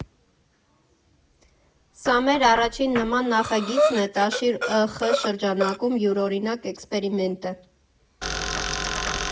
Սա մեր առաջին նման նախագիծն է «Տաշիր» ԸԽ շրջանակում, յուրօրինակ էքսպերիմենտ է։